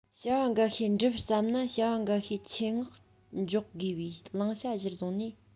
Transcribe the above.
བྱ བ འགའ ཤས འགྲུབ བསམས ན བྱ བ འགའ ཤས ཆེད མངགས འཇོག དགོས པའི བླང བྱ གཞིར གཟུང ནས